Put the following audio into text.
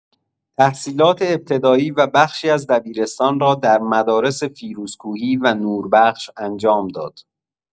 تحصیلات ابتدایی و بخشی از دبیرستان را در مدارس فیروزکوهی و نوربخش انجام داد.